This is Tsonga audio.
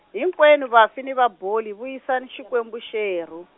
hinkwenu vafi ni vaboli vuyisani xikwembu xerhu.